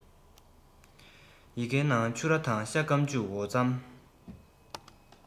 ཡི གེའི ནང ཕྱུར ར དང ཤ སྐམ ལྕུག འོ རྩམ